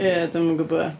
Ia, dwi'm yn gwbod.